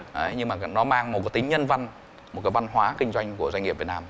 đấy nhưng mà nó mang tính nhân văn một cái văn hóa kinh doanh của doanh nghiệp việt nam